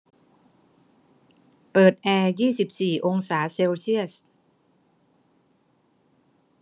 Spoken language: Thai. เปิดแอร์ยี่สิบสี่องศาเซลเซียส